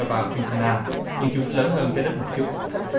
bà quy ta na nhìn chúng lớn hơn cho đức một chút